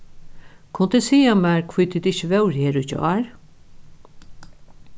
kunnu tit siga mær hví tit ikki vóru her í gjár